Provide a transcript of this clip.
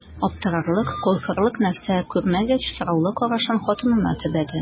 Аптырарлык, куркырлык нәрсә күрмәгәч, сораулы карашын хатынына төбәде.